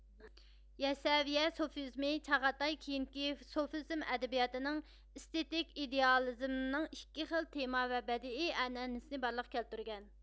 يەسەۋىيە سوفىزمى چاغاتاي كېيىنكى سوفىزم ئەدەبىياتىنىڭ ئېستېتىك ئىدېئالىزمنىڭ ئىككى خىل تېما ۋە بەدىئىي ئەنئەنىسىنى بارلىققا كەلتۈرگەن